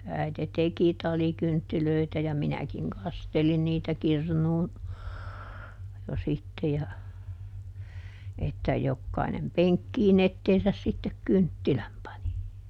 äiti teki talikynttilöitä ja minäkin kastelin niitä kirnuun jo sitten ja että jokainen penkkiin eteensä sitten kynttilän pani